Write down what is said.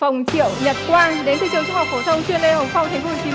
phồng triệu nhật quang đến từ trường trung học phổ thông chuyên lê hồng phong